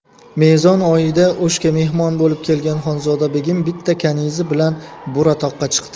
mezon oyida o'shga mehmon bo'lib kelgan xonzoda begim bitta kanizi bilan buratoqqa chiqdi